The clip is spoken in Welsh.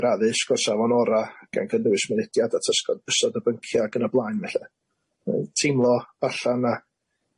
yr addysg o safon ora' gan gynnwys mynediad at ysog- ystod o byncia ag yn y blaen felly yy teimlo falla 'na